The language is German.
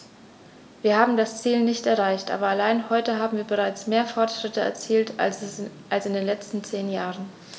Wir haben das Ziel nicht erreicht, aber allein heute haben wir bereits mehr Fortschritte erzielt als in den letzten zehn Jahren.